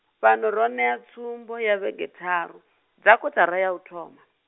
fhano ro ṋea tsumbo ya vhege tharu, dza kotara ya u thoma.